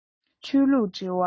ཆོས ལུགས འབྲེལ བ